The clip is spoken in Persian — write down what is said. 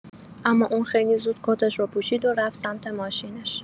اما اون خیلی زود کتش رو پوشید و رفت سمت ماشینش.